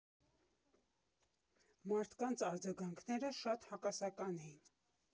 Մարդկանց արձագանքները շատ հակասական էին.